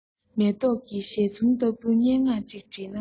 མེ ཏོག གི བཞད འཛུམ ལྟ བུའི སྙན ངག ཅིག འབྲི ན འདོད